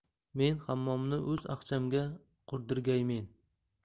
men hammomni o'z aqchamga qurdirgaymen